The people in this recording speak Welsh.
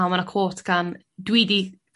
a ma' 'na quote gan... Dw i 'di